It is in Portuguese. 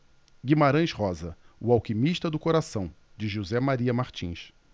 guimarães rosa o alquimista do coração de josé maria martins